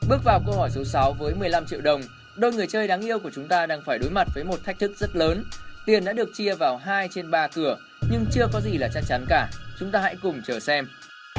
bước vào câu hỏi số sáu với mười lăm triệu đồng đôi người chơi đáng yêu của chúng ta đang phải đối mặt với một thách thức rất lớn tiền đã được chia vào hai trên ba cửa nhưng chưa có gì là chắc chắn cả chúng ta hãy cùng chờ xem